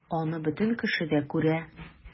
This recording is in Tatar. Аны бөтен кеше дә күрә...